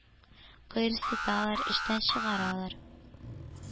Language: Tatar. Кыерсыталар, эштән чыгаралар.